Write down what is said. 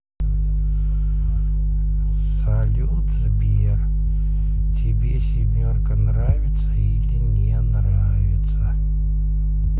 салют сбер тебе семерка нравится или не нравится